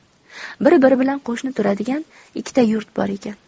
bir biri bilan qo'shni turadigan ikkita yurt bor ekan